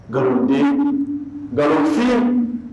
Nkalonden bɛsen